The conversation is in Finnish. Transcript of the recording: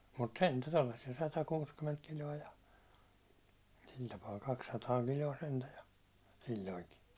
mutta sentään tuollaisia satakuusikymmentä kiloa ja sillä tapaa kaksisataa kiloa sentään ja silloinkin